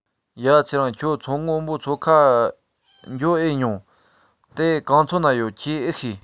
ཡ ཚེ རིང ཁྱོད མཚོ སྔོན པོའི མཚོ ཁ འགྱོ ཨེ མྱོང དེ གང ཚོད ན ཡོད ཁྱོས ཨེ ཤེས